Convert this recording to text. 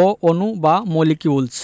ও অণু বা মলিকিউলস